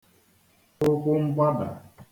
ụkwụmgbadà